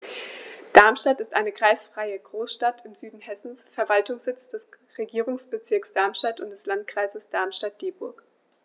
Darmstadt ist eine kreisfreie Großstadt im Süden Hessens, Verwaltungssitz des Regierungsbezirks Darmstadt und des Landkreises Darmstadt-Dieburg.